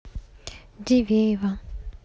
дивеево